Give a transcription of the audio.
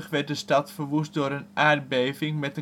werd de stad verwoest door een aardbeving met